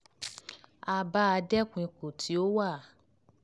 A bá a kẹ́dùn ipò tí ó wà.